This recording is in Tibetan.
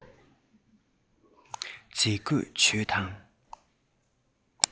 མཛེས བཀོད བྱོས དང